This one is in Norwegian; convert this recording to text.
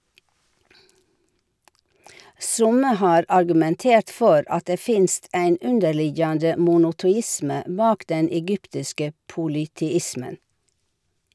Somme har argumentert for at det finst ein underliggjande monoteisme bak den egyptiske polyteismen.